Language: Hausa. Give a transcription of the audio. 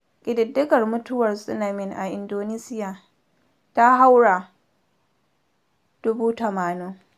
Ƙididdigar Mutuwar Tsunami a Indonesiya Ta Haura 800